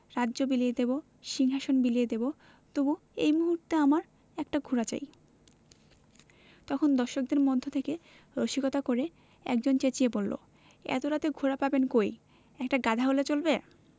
রাজ্য বিলিয়ে দেবো সিংহাশন বিলিয়ে দেবো তবু এই মুহূর্তে আমার একটা ঘোড়া চাই – তখন দর্শকদের মধ্য থেকে রসিকতা করে একজন চেঁচিয়ে বললো এত রাতে ঘোড়া পাবেন কই একটা গাধা হলে চলবে